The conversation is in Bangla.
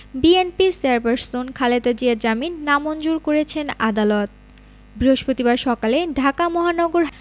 বিএনপির চেয়ারপারসন খালেদা জিয়ার জামিন নামঞ্জুর করেছেন আদালত বৃহস্পতিবার সকালে ঢাকা মহানগর